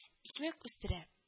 – икмәк үстерә